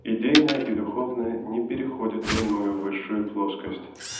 идейно и духовно не переходят в иную высшую плоскость.